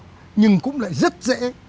nhưng cũng lại rất dễ